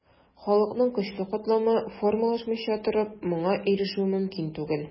Халыкның көчле катламы формалашмыйча торып, моңа ирешү мөмкин түгел.